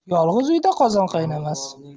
yolg'iz uyda qozon qaynamas